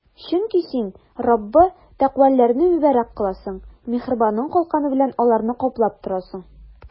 Чөнки Син, Раббы, тәкъваларны мөбарәк кыласың, миһербаның калканы белән аларны каплап торасың.